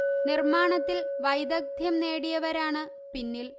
നിര്മാണത്തില് വൈദഗ്ദ്ധ്യം നേടിയവരാണ് പിന്നില്